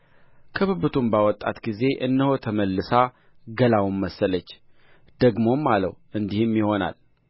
ከብብቱም ባወጣት ጊዜ እነሆ ተመልሳ ገላውን መሰለች ደግሞም አለው እንዲህም ይሆናል